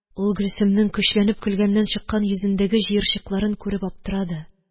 Ул гөлсемнең көчләнеп көлгәннән чыккан йөзендәге җыерчыкларын күреп аптырады